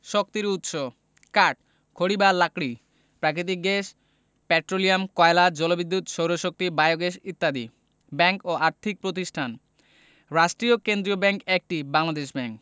শক্তির উৎসঃ কাঠ খড়ি বা লাকড়ি প্রাকৃতিক গ্যাস পেট্রোলিয়াম কয়লা জলবিদ্যুৎ সৌরশক্তি বায়োগ্যাস ইত্যাদি ব্যাংক ও আর্থিক প্রতিষ্ঠানঃ রাষ্ট্রীয় কেন্দ্রীয় ব্যাংক ১টি বাংলাদেশ ব্যাংক